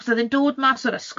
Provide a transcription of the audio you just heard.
achos o'dd e'n dod ma's o'r ysgol,